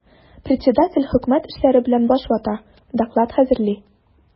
Председатель хөкүмәт эшләре белән баш вата, доклад хәзерли.